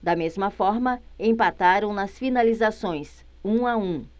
da mesma forma empataram nas finalizações um a um